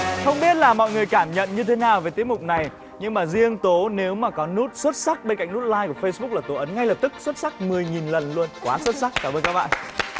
không biết là mọi người cảm nhận như thế nào về tiết mục này nhưng mà riêng tố nếu mà có nút xuất sắc bên cạnh nút lai của phây búc là tố ấn ngay lập tức xuất sắc mười nghìn lần luôn quá xuất sắc cảm ơn các bạn